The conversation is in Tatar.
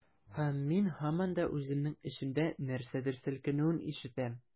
Һәм мин һаман да үземнең эчемдә нәрсәдер селкенүен ишетәм.